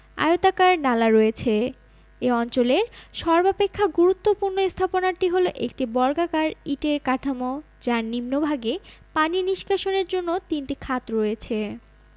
আয়তাকার নালা রয়েছে এ অঞ্চলের সর্বাপেক্ষা গুরুত্বপূর্ণ স্থাপনাটি হলো একটি বর্গাকার ইটের কাঠামো যার নিম্নভাগে পানি নিষ্কাশনের জন্য তিনটি খাত রয়েছে